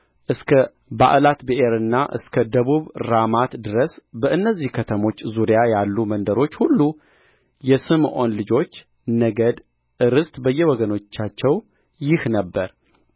እስከ ባዕላትብኤርና እስከ ደቡቡ ራማት ድረስ በእነዚህ ከተሞች ዙሪያ ያሉ መንደሮች ሁሉ የስምዖን ልጆች ነገድ ርስት በየወገኖቻቸው ይህ ነበረ